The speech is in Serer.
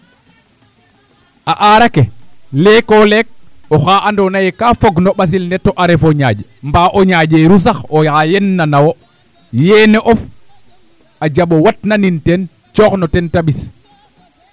a aara ke leeko leek oxa andoona yee ka fog no ɓasil ne to a ref o njaaƴ mbaa o njaƴeeru sax oxa yena na wo yeene of a jaɓ o watnanin teen coox na ten te ɓis